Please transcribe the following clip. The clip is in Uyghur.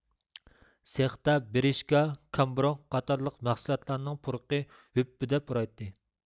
سېختا برىچكا گامبورك قاتارلىق مەھسۇلاتلارنىڭ پۇرىقى ھۈپپىدە پۇرايتتى